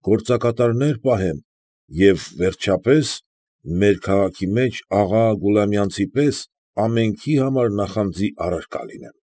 Գործակատարներ պահեմ և, վերջապես, մեր քաղաքի մեջ աղա Գուլամյանցի պես ամենքի համար նախանձի առարկա լինիմ։